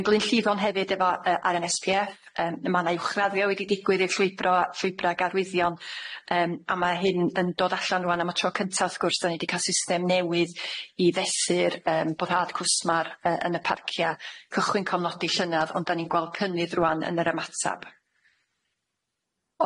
Yn Glynllifon hefyd efo yy ar yn Ess Pee Eff yym ma' 'na uwchraddio wedi digwydd i'r llwybro llwybra ag arwyddion yym a ma' hyn yn dod allan rŵan am y tro cynta wrth gwrs 'dan ni 'di ca'l system newydd i fesur yym boddhad cwsmar yy yn y parcia cychwyn cofnodi llynadd ond 'dan ni'n gweld cynnydd rŵan yn yr ymatab.